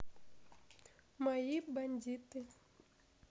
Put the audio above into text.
мои бандиты